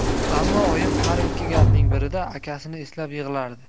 ammo oyim har ikki gapning birida akasini eslab yig'lardi